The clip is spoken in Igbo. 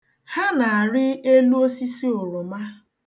Ha na-arị elu osisi oroma.